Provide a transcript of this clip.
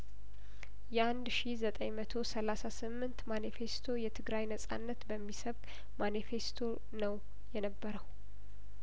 የአንድ ሺ ዘጠኝ መቶ ሰላሳ ስምንት ማኒፌስቶ የትግራይ ነጻነት በሚሰብክ ማኒፌስቶ ነው የነበረው